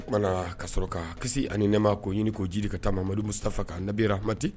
Oumana ka sɔrɔ k ka kisi ani nɛma ko ɲini ko ji ka taamadu dafa kan nabiyira amati